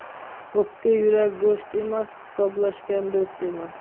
o'pka yurak go'sht emas hisoblashgan do'st emas